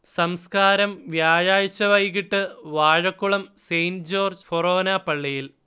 സംസ്കാരം വ്യാഴാഴ്ച വൈകീട്ട് വാഴക്കുളം സെയിന്‍റ് ജോര്‍ജ്ജ് ഫൊറോന പള്ളിയിൽ